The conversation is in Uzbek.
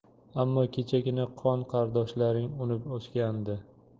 ammo kechagina qon qardoshlaring unib o'sgandi